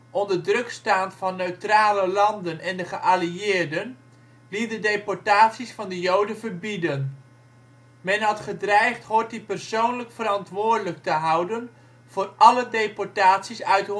onder druk staand van neutrale landen en de geallieerden, liet de deportaties van de Joden verbieden. Men had gedreigd Horthy persoonlijk verantwoordelijk te houden voor alle deportaties uit